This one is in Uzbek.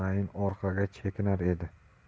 sayin orqaga chekinar edi